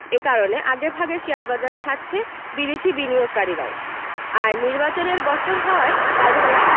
এ কারণে আগেভাগে শেয়ারবাজার ছাড়ছে বিদেশি বিনিয়োগকারীরাও আর নির্বাচনের বছর হওয়ায় বাজারে